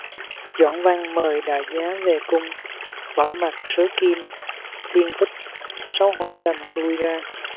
doãn văn mời đại giá về cung bỏ mặc sứ kim thiên tích xấu hổ đành lui ra